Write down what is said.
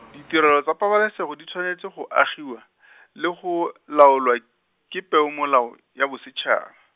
ditirelo tsa pabalesego di tshwanetse go agiwa , le go laolwa, ke peomolao, ya bosetšha-.